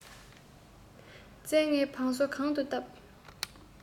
བཙན ལྔའི བང སོ གང དུ བཏབ